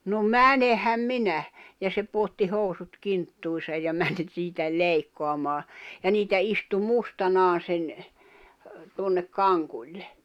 no menenhän minä ja se pudotti housut kinttuihinsa ja meni siitä leikkaamaan ja niitä istui mustanaan sen tuonne kankulle